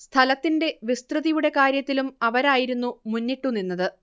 സ്ഥലത്തിന്റെ വിസ്തൃതിയുടെ കാര്യത്തിലും അവരായിരുന്നു മുന്നിട്ടുനിന്നത്